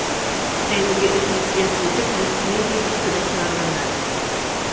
Әлеге эш нәтиҗәсе итеп мультимедия дискы да чыгарганнар.